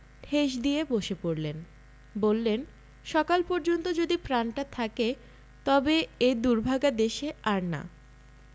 ঠেস দিয়ে বসে পড়লেন বললেন সকাল পর্যন্ত যদি প্রাণটা থাকে ত এ দুর্ভাগা দেশে আর না